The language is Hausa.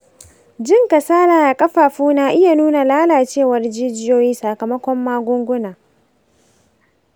jin kasala a ƙafafu na iya nuna lalacewar jijiyoyi sakamakon magunguna.